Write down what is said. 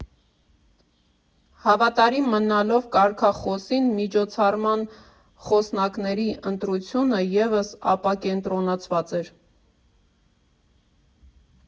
Հավատարի մնալով կարգախոսին՝ միջոցառման խոսնակների ընտրությունը ևս ապակենտրոնացված էր։